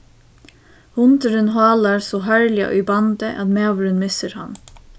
hundurin hálar so harðliga í bandið at maðurin missir hann